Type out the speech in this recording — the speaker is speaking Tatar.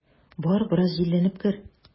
Бар, бераз җилләнеп кер.